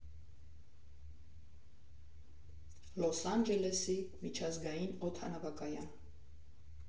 Լոս Անջելեսի միջազգային օդանավակայան։